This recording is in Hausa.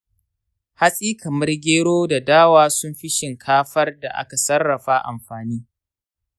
hatsi kamar gero da dawa sun fi shinkafar da aka sarrafa amfani.